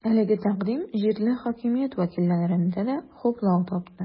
Әлеге тәкъдим җирле хакимият вәкилләрендә дә хуплау тапты.